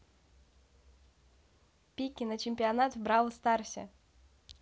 пики на чемпионат в бравл старсе